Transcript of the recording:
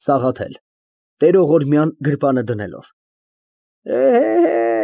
ՍԱՂԱԹԵԼ ֊ (Տեղողորմյան գրպանը դնելով)։